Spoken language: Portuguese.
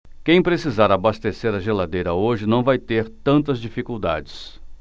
quem precisar abastecer a geladeira hoje não vai ter tantas dificuldades